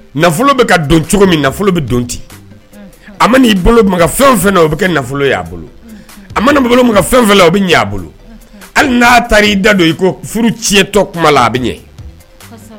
Nafolo bɛ ka don cogo min nafolo bɛ don ten a i bolo fɛn fɛn o bɛ kɛ nafolo y' a bolo a mana bolo fɛn o bɛ a bolo hali n'a taara y ii da don i ko furu citɔ kuma a bɛ ɲɛ